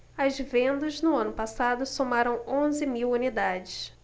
as vendas no ano passado somaram onze mil unidades